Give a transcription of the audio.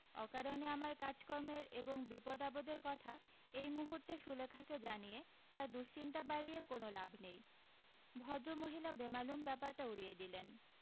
অকারণে আমার কাজকর্মের এবং বিপদ আপদের কথা এই মূহুর্তে সুলেখাকে জানিয়ে তার দুশ্চিন্তা বাড়িয়ে কোনো লাভ নেই ভদ্রমহিলা বেমালুম ব্যাপারটা উড়িয়ে দিলেন